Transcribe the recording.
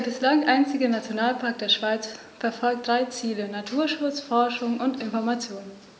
Der bislang einzige Nationalpark der Schweiz verfolgt drei Ziele: Naturschutz, Forschung und Information.